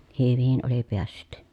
hyvin oli päässyt